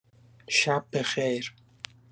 شب‌به‌خیر.